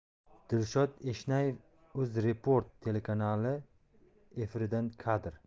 dilshod eshnayev uzreport telekanali efiridan kadr